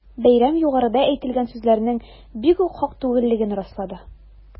Бәйрәм югарыда әйтелгән сүзләрнең бигүк хак түгеллеген раслады.